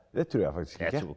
det trur jeg faktisk ikke.